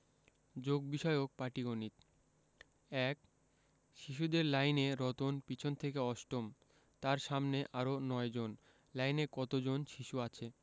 যোগ বিষয়ক পাটিগনিতঃ ১ শিশুদের লাইনে রতন পিছন থেকে অষ্টম তার সামনে আরও ৯ জন লাইনে কত জন শিশু আছে